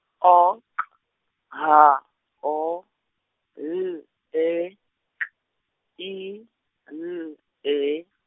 O, K, H, O, L, E, K, I, L, E.